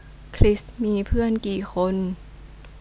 คริสมีเพื่อนกี่คน